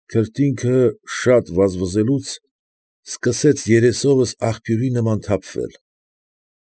Քրտինքը շատ վազվզելուց, սկսեց երեսովս աղբյուրի նման թափվել։